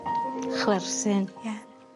Chwerthin. Ia.